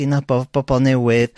i nabo' bobol newydd